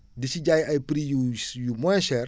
di si jaay ay prix yu yu moins chers